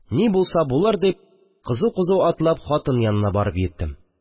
Ни булса булыр дип, кызу-кызу атлап хатын янына барып йиттем